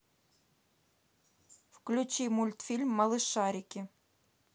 включи мультфильм малышарики